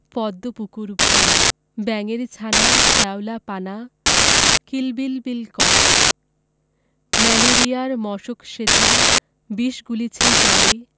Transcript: পদ্ম পুকুর ভরে ব্যাঙের ছানা শ্যাওলা পানা কিল বিল বিল করে ম্যালেরিয়ার মশক সেথা বিষ গুলিছে জলে